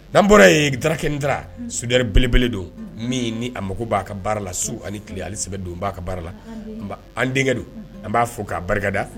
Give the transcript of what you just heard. N'an bɔra yen darakɛ da sudiri belebele don min ni a mako b'a ka baara la su ani tilele hali sɛbɛ don b'a ka baara la an denkɛ don an b'a fɔ k'a barikada